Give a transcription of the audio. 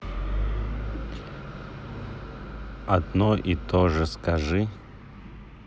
одно и тоже скажи